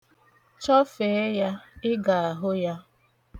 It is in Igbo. Chọfee ya, ị ga-ahụ ya.